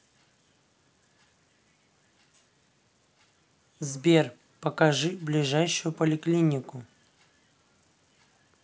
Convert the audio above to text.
сбер покажи ближайшую поликлинику